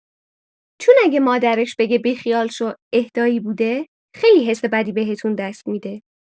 چون اگر مادرش بگه بیخیال شو، اهدایی بوده، خیلی حس بدی بهتون دست می‌ده.